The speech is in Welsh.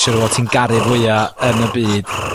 siŵr o fo' ti'n garu fwya yn y byd